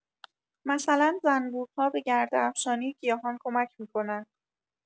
مثلا زنبورها به گرده‌افشانی گیاهان کمک می‌کنن